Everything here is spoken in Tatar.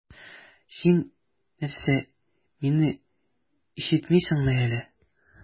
Син нәрсә, мине ишетмисеңме әллә?